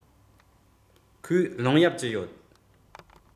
ཁོས རླུང གཡབ གྱི ཡོད